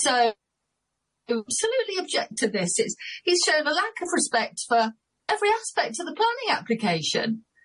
So absolutely object to this it's he's showing a lack of respect for every aspect of the planning application.